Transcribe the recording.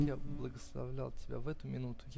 как я благословлял тебя в эту минуту!